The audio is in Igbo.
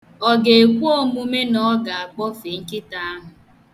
Ọ ga-ekwe omume na a ga-akpọfe nkịta ahụ?